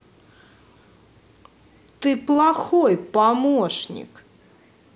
ты плохой помощник